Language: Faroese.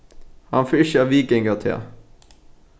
hann fer ikki at viðganga tað